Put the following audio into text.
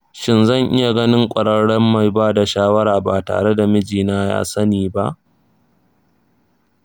shin zan iya ganin ƙwararren mai bada shawara ba tare da miji na ya sani ba?